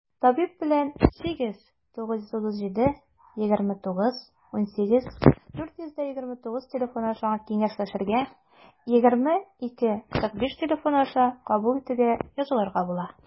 Табиб белән 89372918429 телефоны аша киңәшләшергә, 20-2-45 телефоны аша кабул итүгә язылырга була.